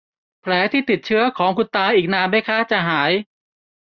แผลที่ติดเชื้อของคุณตาอีกนานมั้ยคะจะหาย